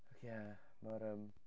Ie mae'r yym...